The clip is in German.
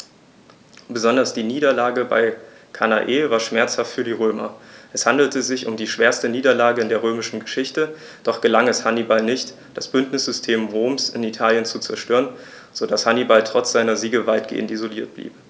Besonders die Niederlage bei Cannae war schmerzhaft für die Römer: Es handelte sich um die schwerste Niederlage in der römischen Geschichte, doch gelang es Hannibal nicht, das Bündnissystem Roms in Italien zu zerstören, sodass Hannibal trotz seiner Siege weitgehend isoliert blieb.